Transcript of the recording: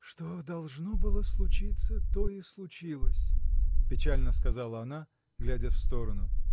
— Что должно было случиться, то и случилось, — печально сказала она, глядя в сторону.